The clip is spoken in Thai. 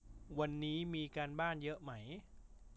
วันนี้มีการบ้านเยอะไหม